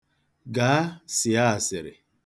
Gaa, sịa asịrị.